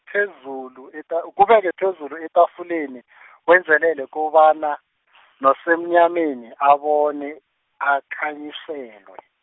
phezulu eta- u- kubeke phezulu etafuleni , wenzelele kobana , nosemnyameni abone, akhanyiselwe.